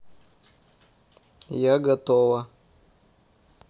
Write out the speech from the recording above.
я готова